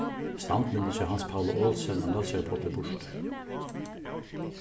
standmyndin hjá hans paula olsen av nólsoyar páll er burtur